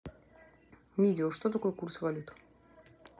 видео что такое курс валют